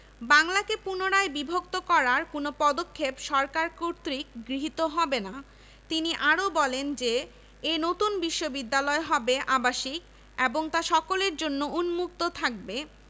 superintendent Shamsul Ulama Abu Nasr Muhammad Wahed আলীগড়ের Mohammad Ali Kolkata presidency কলেজের অধ্যক্ষ এইচ.আর জেমস